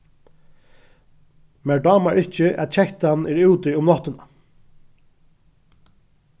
mær dámar ikki at kettan er úti um náttina